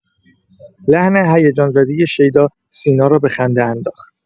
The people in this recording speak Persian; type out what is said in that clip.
لحن هیجان‌زده شیدا، سینا را به خنده انداخت.